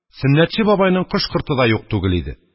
Сөннәтче бабайның кош-корты да юк түгел иде.